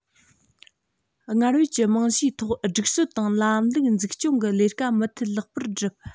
སྔར ཡོད ཀྱི རྨང གཞིའི ཐོག སྒྲིག སྲོལ དང ལམ ལུགས འཛུགས སྐྱོང གི ལས ཀ མུ མཐུད ལེགས པོར བསྒྲུབས